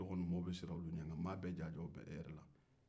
maaw bɛ siran e dɔgɔninw ɲɛ nka maa bɛɛ ja jolen be e yɛrɛ la